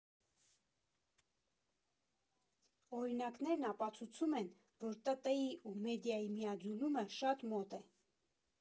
Օրինակներն ապացուցում են, որ ՏՏ֊ի ու մեդիայի միաձուլումը շատ մոտ է։